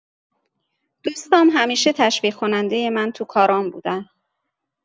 دوستام همیشه تشویق‌کننده من توی کارام بودن.